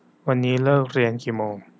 วันนี้เลิกเรียนกี่โมง